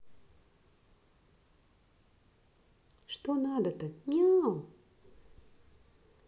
что надо то мяу